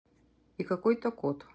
и какой то код